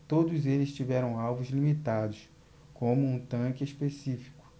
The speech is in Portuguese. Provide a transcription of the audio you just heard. todos eles tiveram alvos limitados como um tanque específico